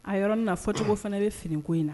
A yɔrɔ min na fɔcogo fana i bɛ finiko in na